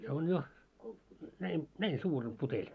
se on jo näin näin suuri on puteli